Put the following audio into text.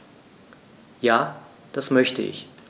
Ja, das möchte ich.